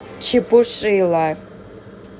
чепушила